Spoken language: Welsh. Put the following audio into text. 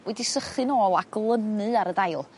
wedi sychu nôl a glynu ar y dail.